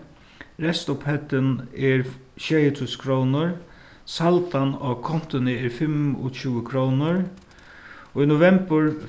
restupphæddin er sjeyogtrýss krónur saldan á kontuni er fimmogtjúgu krónur í novembur